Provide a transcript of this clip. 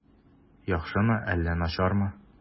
Яхшымы әллә начармы?